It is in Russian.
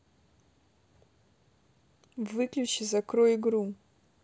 выключи закрой игру